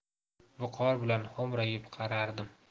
viqor bilan xo'mrayib qarardim